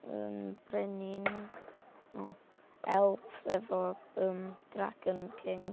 Yym brenin... O elves efo yym dragon king.